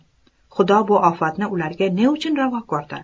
xudo bu ofatni ularga ne uchun ravo ko'rdi